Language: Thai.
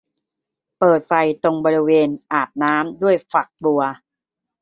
เปิดไฟตรงบริเวณอาบน้ำด้วยฝักบัว